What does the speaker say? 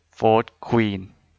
โฟธควีน